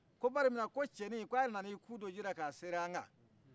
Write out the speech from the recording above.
ko bari munna ko cɛnin k'a nan'i ku do ji la k'a seri an kan